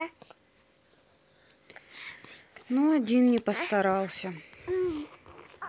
ну один не постарался